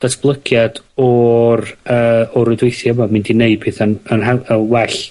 datblygiad o'r yy o'r rwdweithia 'ma mynd i neud petha'n yn haw- yn well